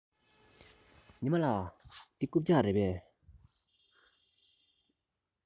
ཉི མ ལགས འདི རྐུབ བཀྱག རེད པས